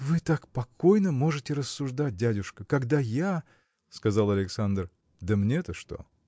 – Вы так покойно можете рассуждать, дядюшка, когда я. – сказал Александр. – Да мне-то что?